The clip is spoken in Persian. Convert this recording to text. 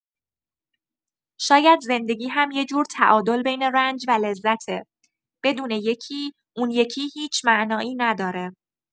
شاید زندگی هم یه جور تعادل بین رنج و لذته، بدون یکی، اون یکی هیچ معنایی نداره.